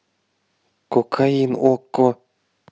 кокаин okko